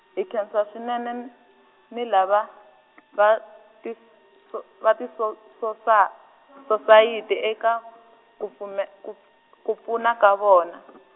hi nkhensa swinenen-, ni lava, va tis- so va tiso- sosa-, -sosayiti eka, ku pfume ku, ku pfuna ka vona .